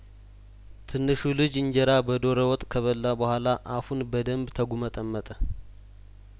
ትንሹ ልጅ እንጀራ በዶሮ ወጥ ከበላ በኋላ አፉን በደምብ ተጉመጠመጠ